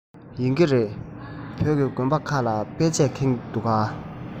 ཡིན གྱི རེད བོད ཀྱི དགོན པ ཁག ལ དཔེ ཆས ཁེངས འདུག ག